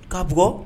Ka bɔ